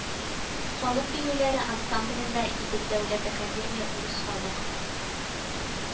Халык биюләре ансамблендә, идел дәүләт академия урыс халык